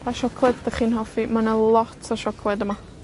Pa siocled 'dych chi'n hoffi. Ma' 'na lot o siocled yma.